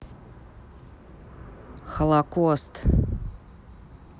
холокост